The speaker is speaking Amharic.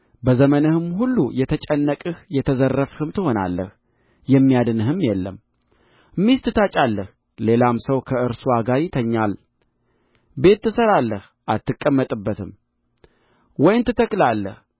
በዘመንህም ሁሉ የተጨነቅህ የተዘረፍህም ትሆናለህ የሚያድንህም የለም ሚስት ታጫለህ ሌላም ሰው ከእርስዋ ጋር ይተኛል ቤት ትሠራለህ አትቀመጥበትም ወይን ትተክላለህ